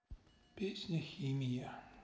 песня химия